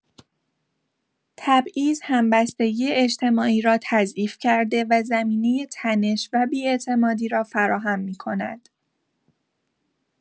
تبعیض، همبستگی اجتماعی را تضعیف کرده و زمینه تنش و بی‌اعتمادی را فراهم می‌کند.